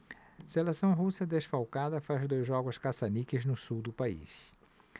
seleção russa desfalcada faz dois jogos caça-níqueis no sul do país